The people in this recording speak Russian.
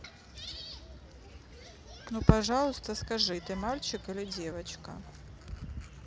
ну пожалуйста скажи ты мальчик или девочка